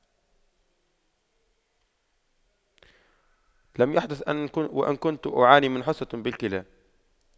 لم يحدث ان وان كنت أعاني من حصوة بالكلى